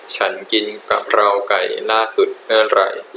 ฉันกินกะเพราไก่ล่าสุดเมื่อไหร่